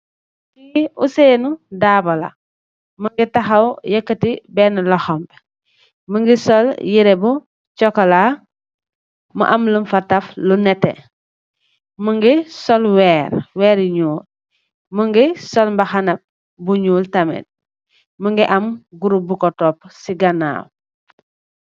Kii Usainu Daabo la, më ngi taxaw yekkati benne loxom bi, më ngi sol yire bu cokola, mu am lum fa taf lu nete, më ngi sol weer, weeri yu ñuul, më ngi sol mbaxana bu ñuul tamit, më ngi am gurub bu ko toppu si ganaaw.